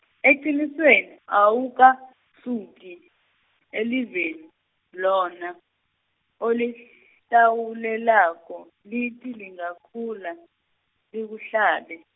eqinisweni awukahluki, eliveni, lona, olihlawulelako, lithi lingakhula, likuhlabe.